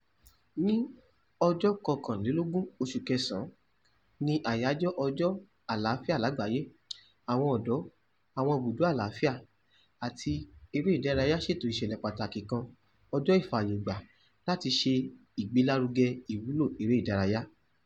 Ní 21 osù Kẹ̀sán, ní àyájọ́ Ọjọ́ Àlàáfíà Lágbàáyé, àwọn ọ̀dọ́ àwọn ibùdó àlàáfíà àti eré ìdárayá ṣètò ìṣẹ̀lẹ̀ pàtàkì kan, Ọjọ́ Ìfàyègbà, láti ṣe ìgbélárugẹ ìwúlò eré ìdárayá.